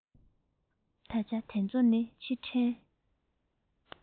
ད ཆ དེ ཚོ ནི ཕྱིར དྲན